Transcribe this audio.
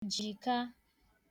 jịka